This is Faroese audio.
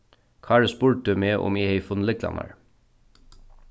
kári spurdi meg um eg hevði funnið lyklarnar